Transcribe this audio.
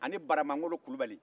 a ni baramangolo ngolo kulubali